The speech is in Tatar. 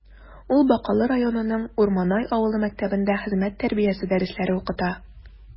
Ул Бакалы районының Урманай авылы мәктәбендә хезмәт тәрбиясе дәресләре укыта.